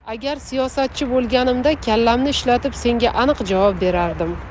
agar siyosatchi bo'lganimda kallamni ishlatib senga aniq javob berardim